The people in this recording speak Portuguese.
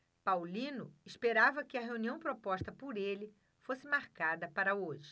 paulino esperava que a reunião proposta por ele fosse marcada para hoje